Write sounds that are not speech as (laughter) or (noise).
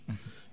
(hesitation) (hesitation)